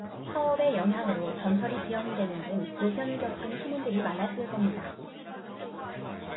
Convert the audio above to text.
파업의 영향으로 전철이 지연되는 등 불편을 겪은 시민들이 많았을 겁니다